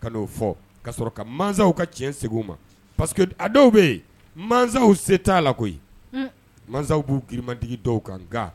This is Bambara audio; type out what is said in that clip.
Ka n'o fɔ ka sɔrɔ ka masaw ka cɛn segu maseke a dɔw bɛ yen masaw se t' la koyi masaw b'u kiirimatigi dɔw kan n nka